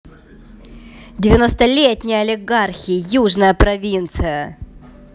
девяностолетние олигархи южная провинция